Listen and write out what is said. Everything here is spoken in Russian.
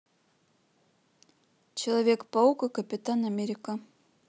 человек паук и капитан америка